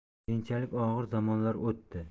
keyinchalik og'ir zamonlar o'tdi